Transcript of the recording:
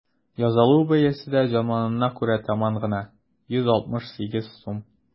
Язылу бәясе дә заманына күрә таман гына: 168 сум.